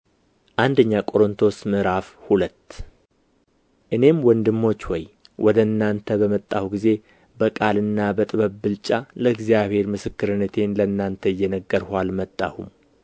አንደኛ ቆሮንጦስ ምዕራፍ ሁለት እኔም ወንድሞች ሆይ ወደ እናንተ በመጣሁ ጊዜ በቃልና በጥበብ ብልጫ ለእግዚአብሔር ምስክርነቴን ለእናንተ እየነገርሁ አልመጣሁም